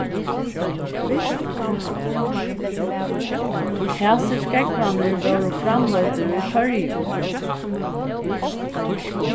hasir skógvarnir vóru framleiddir í føroyum